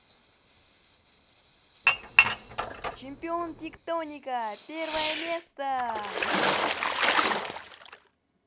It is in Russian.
чемпион тектоника первое место